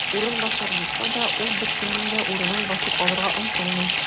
"урынбасар" булса да, ул беркемнең дә урынын басып алырга омтылмый.